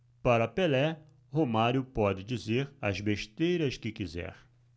para pelé romário pode dizer as besteiras que quiser